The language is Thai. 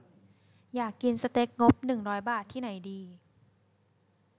อยากกินสเต็กงบหนึ่งร้อยบาทที่ไหนดี